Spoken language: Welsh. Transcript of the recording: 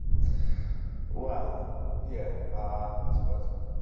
Wel ie a t'wbod